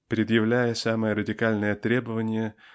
Предъявляя самые радикальные требования